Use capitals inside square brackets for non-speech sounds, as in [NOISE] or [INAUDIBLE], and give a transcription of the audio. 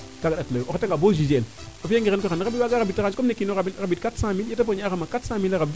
kaaga a ndata leyu o reta nga bo juger el o fiya ngirang koy [UNINTELLIGIBLE] waaga rabid tranche comme ne kinoxe rabid 400 mille yeete poñe axama 400 mille a rabdu